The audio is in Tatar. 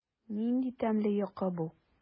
Нинди тәмле йокы бу!